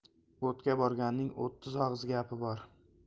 o'tga borganning o'ttiz og'iz gapi bor